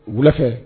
Wula fɛ